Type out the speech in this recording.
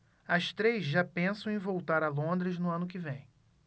as três já pensam em voltar a londres no ano que vem